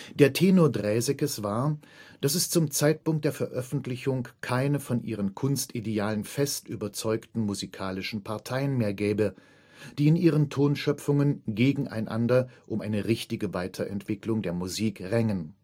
Der Tenor Draesekes war, dass es zum Zeitpunkt der Veröffentlichung keine von ihren Kunstidealen fest überzeugten musikalischen Parteien mehr gäbe, die in ihren Tonschöpfungen gegeneinander um eine richtige Weiterentwicklung der Musik rängen